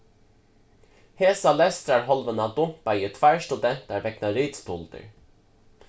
hesa lestrarhálvuna dumpaði eg tveir studentar vegna ritstuldur